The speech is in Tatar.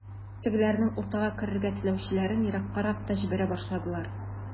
Тегеләрнең уртага керергә теләүчеләрен ераккарак та җибәрә башладылар.